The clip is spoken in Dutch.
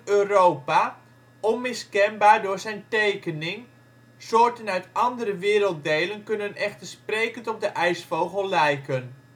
Europa onmiskenbaar door zijn tekening, soorten uit andere werelddelen kunnen echter sprekend op de ijsvogel lijken